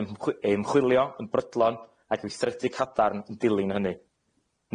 ymchw- yy ymchwilio yn brydlon a gweithredu cadarn yn dilyn hynny.